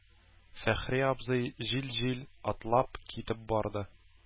Фәхри абзый җил-җил атлап китеп барды.